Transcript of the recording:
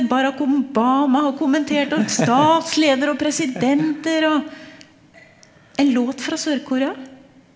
Barack Obama har kommentert det og statsledere og presidenter og en låt fra Sør-Korea.